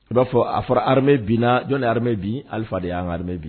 I b'a fɔ a fɔra hamɛ binna jɔn ni hamɛ bi ali de y'an hamɛ bi